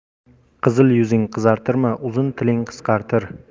qizil yuzing qizartirma uzun tiling qisqartir